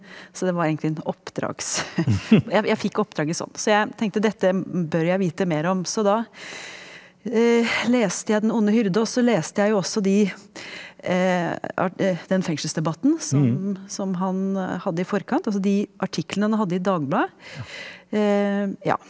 så det var egentlig en jeg jeg fikk oppdraget sånn så jeg tenkte dette bør jeg vite mer om, så da leste jeg Den onde hyrde også leste jeg jo også de den fengselsdebatten som som han hadde i forkant, altså de artiklene han hadde i Dagbladet ja.